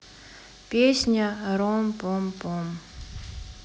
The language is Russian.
песня ром пом пом